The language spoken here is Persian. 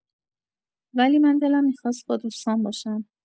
ولی من دلم می‌خواست با دوستام باشم